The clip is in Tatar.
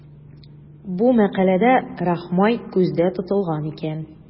Бу мәкаләдә Рахмай күздә тотылган икән.